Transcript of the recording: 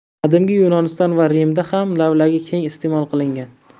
qadimgi yunoniston va rimda ham lavlagi keng iste'mol qilingan